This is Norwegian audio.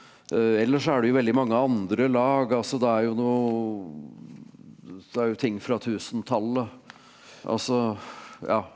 ellers så er det jo veldig mange andre lag altså det er jo noe det er jo ting fra tusentallet altså ja.